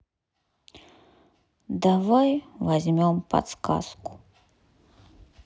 давай возьмем подсказку